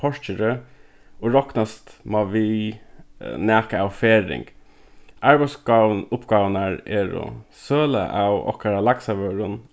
porkeri og roknast má við nakað av ferðing arbeiðis uppgávurnar eru søla av okkara laksavørum